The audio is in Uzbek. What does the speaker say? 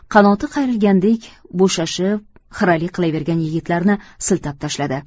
qanoti qayrilgandek bo'shashib xiralik qilavergan yigitlarni siltab tashladi